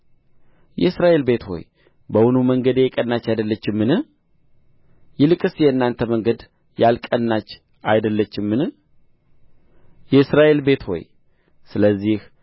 የእስራኤል ቤት ሆይ በውኑ መንገዴ የቀናች አይደለችምን ይልቅስ የእናንተ መንገድ ያልቀናች አይደለችምን የእስራኤል ቤት ሆይ ስለዚህ